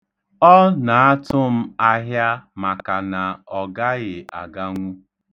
Ọ na-atụ m ahịa maka na ọ gaghị aganwu.